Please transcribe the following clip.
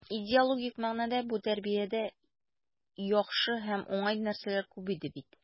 Идеологик мәгънәдә бу тәрбиядә яхшы һәм уңай нәрсәләр күп иде бит.